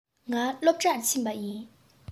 ང སློབ གྲྭར ཕྱིན པ ཡིན